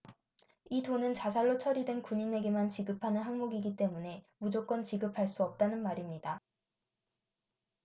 이 돈은 자살로 처리된 군인에게만 지급하는 항목이기 때문에 무조건 지급할 수 없다는 말입니다